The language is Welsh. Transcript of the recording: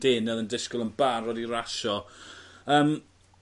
dene o'dd e'n disgwl yn barod i rasio yym